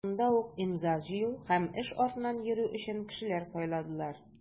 Шунда ук имза җыю һәм эш артыннан йөрү өчен кешеләр сайладылар.